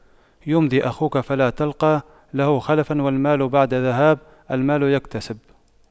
يمضي أخوك فلا تلقى له خلفا والمال بعد ذهاب المال يكتسب